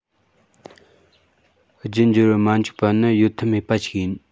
རྒྱུད འགྱུར བར མ འཇིག པ ནི གཡོལ ཐབས མེད པ ཞིག ཡིན